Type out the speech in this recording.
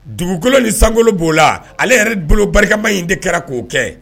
Dugukolo ni sankolo b'o la ale yɛrɛ bolo barikama in de kɛra k'o kɛ